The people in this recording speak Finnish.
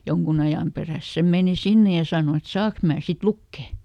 jonkun ajan perässä se meni sinne ja sanoi että saanko minä sitten lukea